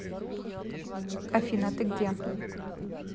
афина ты где